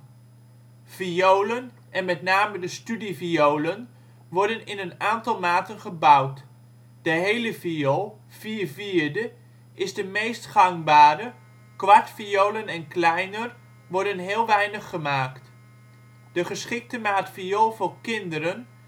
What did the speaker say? Violen (en met name de studieviolen) worden in een aantal maten gebouwd. De hele viool (4/4) is de meest gangbare, kwartviolen en kleiner worden heel weinig gemaakt. De geschikte maat viool voor kinderen